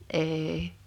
ei